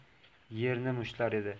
yerni mushtlar edi